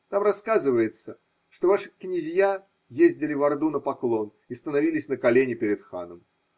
Там рассказывается, что ваши князья ездили в орду на поклон и становились на колени перед ханом.